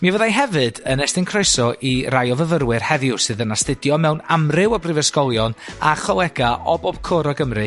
mi fyddai hefyd yn estyn croeso i rai o fyfyrwyr heddiw sydd yn astudio mewn amryw o brifysgolion a cholega' o bob cwr o Gymru